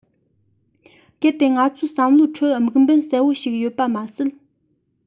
གལ ཏེ ང ཚོའི བསམ བློའི ཁྲོད དམིགས འབེན གསལ པོ ཞིག ཡོད པ མ ཟད